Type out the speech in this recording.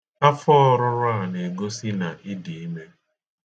Afọ ọrụrụ a na-egosi na ị dị ime.